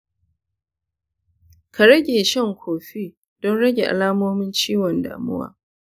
ka rage shan kofi don rage alamomin ciwon damuwa.